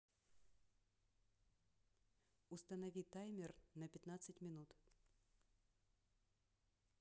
установи таймер на пятнадцать минут